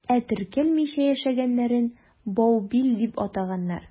Ә теркәлмичә яшәгәннәрен «баубил» дип атаганнар.